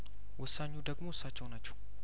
ወሳኙ ደግሞ እሳቸው ናቸው